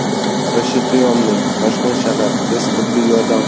rshtyoimning toshkent shahar tez tibbiy yordam